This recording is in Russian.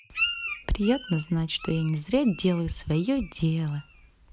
приятно знать что я не зря делаю свое дело